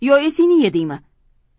yo esingni yedingmi